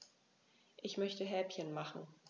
Ich möchte Häppchen machen.